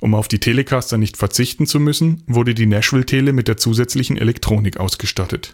Um auf die Telecaster nicht verzichten zu müssen, wurde die „ Nashville Tele “mit der zusätzlichen Elektronik ausgestattet